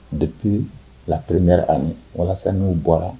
Depuis la première année walasa n'u bɔra